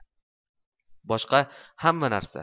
boshqa hamma narsa